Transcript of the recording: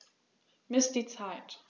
Miss die Zeit.